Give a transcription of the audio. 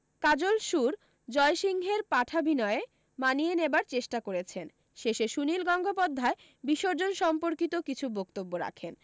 কাজল শূর জয়সিংহের পাঠাভিনয়ে মানিয়ে নেবার চেষ্টা করেছেন শেষে সুনীল গঙ্গোপাধ্যায় বিসর্জন সম্পর্কিত কিছু বক্তব্য রাখেন